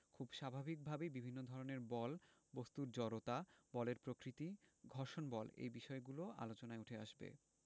খুব স্বাভাবিকভাবেই বিভিন্ন ধরনের বল বস্তুর জড়তা বলের প্রকৃতি ঘর্ষণ বল এই বিষয়গুলোও আলোচনায় উঠে আসবে